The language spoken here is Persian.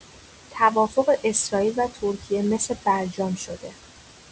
توافق اسراییل و ترکیه مثل برجام شده.